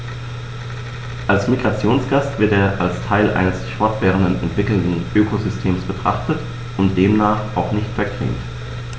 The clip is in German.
Als Migrationsgast wird er als Teil eines sich fortwährend entwickelnden Ökosystems betrachtet und demnach auch nicht vergrämt.